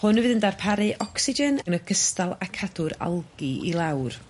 hwn fydd yn darparu ocsigen yn ogystal â cadw'r algi i lawr.